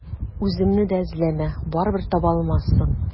Үземне дә эзләмә, барыбер таба алмассың.